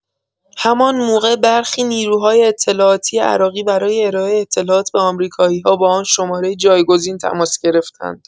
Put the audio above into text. همان موقع برخی نیروهای اطلاعاتی عراقی برای ارائه اطلاعات به آمریکایی‌ها با آن شمارۀ جایگزین تماس گرفتند.